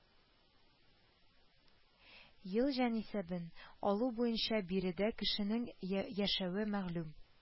Ел җанисәбен алу буенча биредә кешенең яшәве мәгълүм